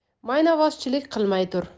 maynavozchilik qilmay tur